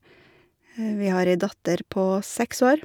Vi har ei datter på seks år.